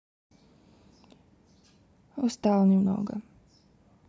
устал немного